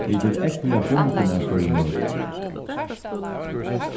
vit eru ógvuliga bundin av hvørjum øðrum